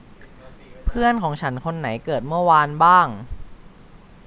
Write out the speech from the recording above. เพื่อนของฉันคนไหนเกิดเมื่อวานบ้าง